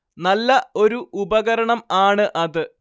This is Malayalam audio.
നല്ല ഒരു ഉപകരണം ആണ് അത്